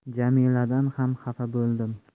jamiladan ham xafa bo'ldim